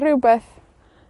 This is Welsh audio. rywbeth